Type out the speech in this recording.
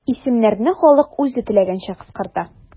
Исемнәрне халык үзе теләгәнчә кыскарта.